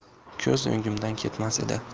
ko'z o'ngimdan ketmas edi